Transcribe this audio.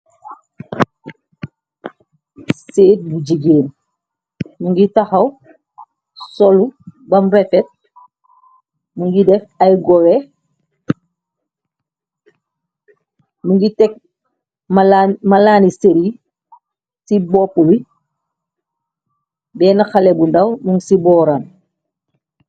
Seet bu jigeen mu ngi taxaw solu bamrefet mu ngi def ay gowe mu ngi tekk malaani seri ci bopp wi benn xale bu ndaw mun ci booram.